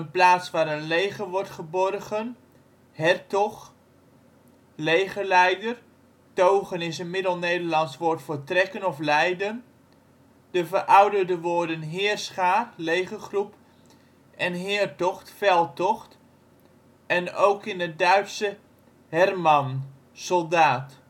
plaats waar een leger wordt geborgen), hertog (legerleider, togen is een Middelnederlands woord voor trekken of leiden), de verouderde woorden heerschaar (legergroep) en heirtocht (veldtocht), en ook in het Duitse " Hermann " (soldaat